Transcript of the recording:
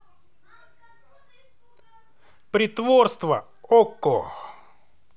притворство okko